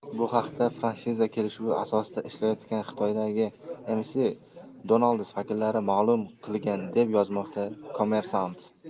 bu haqda franshiza kelishuvi asosida ishlayotgan xitoydagi mcdonald's vakillari ma'lum qilgan deb yozmoqda kommersant